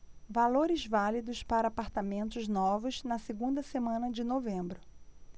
valores válidos para apartamentos novos na segunda semana de novembro